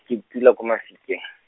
ke dula ko Mafikeng.